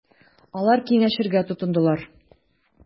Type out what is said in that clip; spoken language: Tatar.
Алар киңәшергә тотындылар.